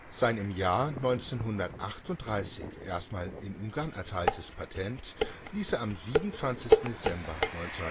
Sein im Jahr 1938 erstmals in Ungarn erteiltes Patent ließ er am 27. Dezember 1938